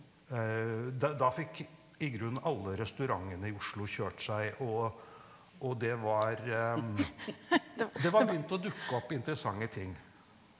da fikk i grunnen alle restaurantene i Oslo kjørt seg, og og det var det var begynt å dukke opp interessante ting.